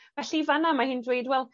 Felly fanna ma' hi'n dweud, wel,